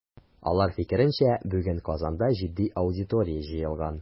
Алар фикеренчә, бүген Казанда җитди аудитория җыелган.